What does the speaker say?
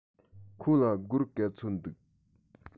ཁོ ལ སྒོར ག ཚོད འདུག